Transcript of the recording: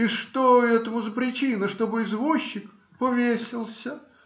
И что этому за причина, чтобы извозчик повесился?